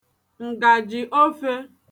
ǹgàjị̀ ofē